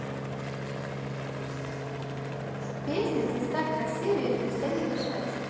песня здесь так красиво я перестаю дышать